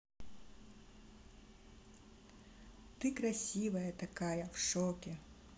ты красивая такая в шоке